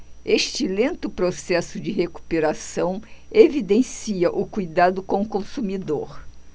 este lento processo de recuperação evidencia o cuidado com o consumidor